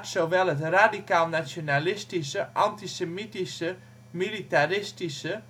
zowel het radicaal nationalistische, antisemitische, militaristische